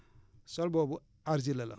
sol boobu argileux la